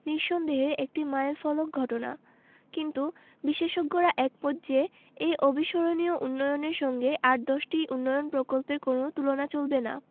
নিঃসন্দেহে একটি মাইলফলক ঘটনা কিন্তু বিশেষজ্ঞরা একমত যে এই অবিস্মরণীয় উন্নয়নের সঙ্গে আর দশটি উন্নয়ন প্রকল্পের কোনো তুলনা চলবে না